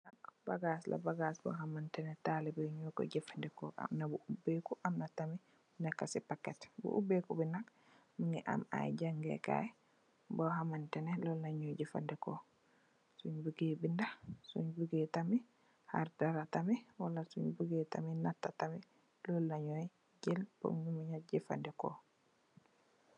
Bagaas la, bagaas boo xam ne, taalube yi nyoo koy jafandeko. Am na bu ubbe ku, am natam bu neeka si pakket. Bu ubbe ku nak, mu ni am ay jangee kaay boo xaman te ne, sung bugee binda, sung bugee tam mit di xar dara, ak sung bugee nata dara, mom la nyuy jafande ko.